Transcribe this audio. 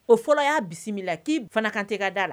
O fɔlɔ y'a bisimila k'i fana kan tɛ ka da la